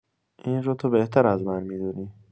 این رو تو بهتر از من می‌دونی.